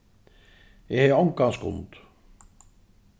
eg hevði ongan skund